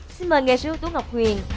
xin mời nghệ sĩ ưu tú ngọc huyền